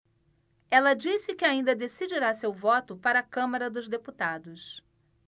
ela disse que ainda decidirá seu voto para a câmara dos deputados